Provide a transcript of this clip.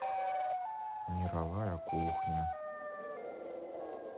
мировая кухня